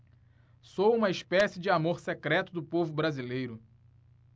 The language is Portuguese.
sou uma espécie de amor secreto do povo brasileiro